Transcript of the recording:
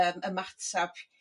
yym ymatab